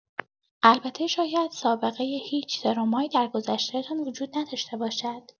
البته شاید سابقه هیچ ترومایی در گذشته‌تان وجود نداشته باشد.